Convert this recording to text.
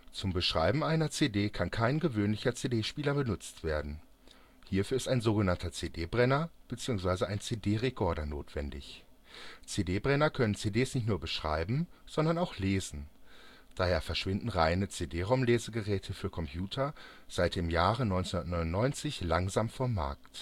Zum Beschreiben einer CD kann kein gewöhnlicher CD-Spieler benutzt werden. Hierfür ist ein so genannter CD-Brenner (bzw. ein CD-Rekorder) notwendig. CD-Brenner können CDs nicht nur beschreiben, sondern auch lesen. Daher verschwinden reine CD-ROM-Lesegeräte für Computer seit dem Jahre 1999 langsam vom Markt